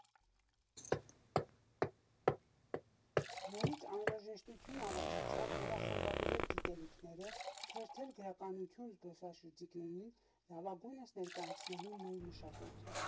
Նորից անհրաժեշտություն առաջացավ վերախմբագրել գիտելիքները, թերթել գրականություն զբոսաշրջիկներին լավագույնս ներկայացնելու մեր մշակույթը։